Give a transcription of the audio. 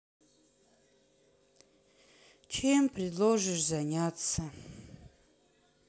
чем предложишь заняться